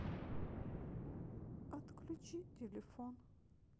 отключи телефон